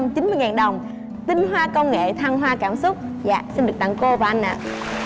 chín mươi ngàn đồng tinh hoa công nghệ thăng hoa cảm xúc dạ xin được tặng cô và anh ạ